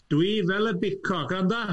Dwi fel y Bico. Gwranda,